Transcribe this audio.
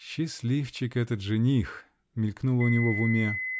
"Счастливчик этот жених!" -- мелькнуло у него в уме.